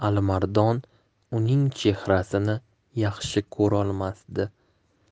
alimardon uning chehrasini yaxshi ko'rolmasdi